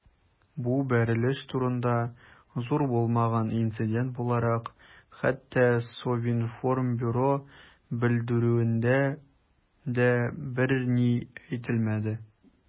Бу бәрелеш турында, зур булмаган инцидент буларак, хәтта Совинформбюро белдерүендә дә берни әйтелмәде.